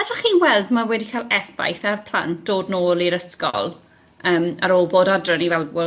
as o'ch chi'n weld ma' wedi cael effaith ar plant dod nôl i'r ysgol yym ar ôl bod adre o'n i fel,